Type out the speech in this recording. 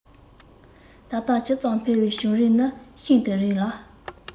ད ལྟར ཇི ཙམ འཕེལ བའི བྱུང རིམ ནི ཤིན ཏུ རིང ལ